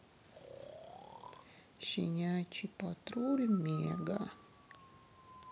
щенячий патруль мега